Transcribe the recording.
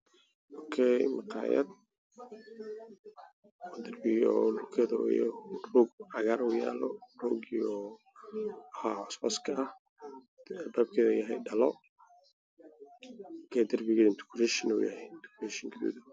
Meeshaan waxaa iga muuqata maqaaxi waxaa ku qoran restranti waana baaq ay midabkiisa waa midab qaxwi ah